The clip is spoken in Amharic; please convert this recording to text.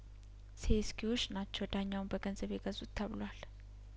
ሴኤስኬዎች ናቸው ዳኛውን በገንዘብ የገዙት ተብሏል